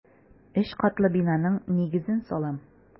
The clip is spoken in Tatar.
Өч катлы бинаның нигезен салам.